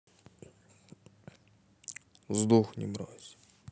сдохни мразь